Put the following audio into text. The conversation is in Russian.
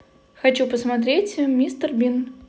хочу посмотреть мистер бин